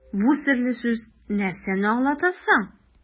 Бу серле сүз нәрсәне аңлата соң?